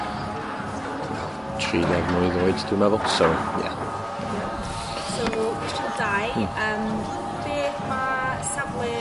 tri deg mlwydd oed dwi'n meddwl so ie. Ie. So cwestiwn dau yym beth ma' safle